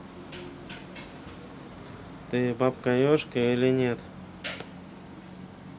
ты бабка ежка да или нет